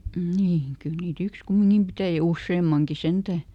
mm kyllä niitä yksi kumminkin - ja useammankin sentään